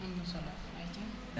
am na solo ayca